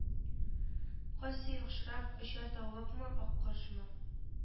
Кайсы яхшырак оча тавыкмы аккошмы